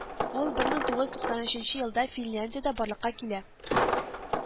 Ул мең тугыз туксан өченче елда Финляндиядә барлыкка килә